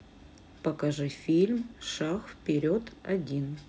покажи фильм шаг вперед один